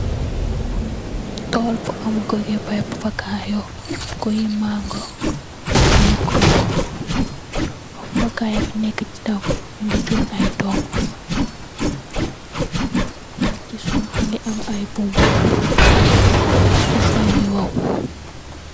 Tool bu am guuy yi papakayawo, guuy yi mango, guuy yi koko, papakaya bu nekk di daw, mingi jur ay dom, ak si suuf fa ngi am ay bum, suuf se ngi waaw.